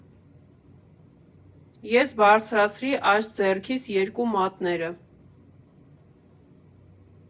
Ես բարձրացրի աջ ձեռքիս երկու մատները։